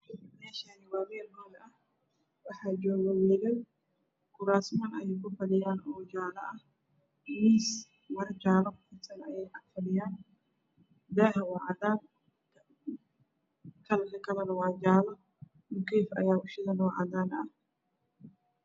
Meeshaan waa meel hool ah waxaa joogo wiilal kuraasman ayay kufadhiyaan oo jaalo ah miis maro jaalo ah kufidsan ayay kufadhiyaan daaha waa cadaan kalarka kalana waa jaalo. Mukeef ayaa u shidan oo cadaan ah.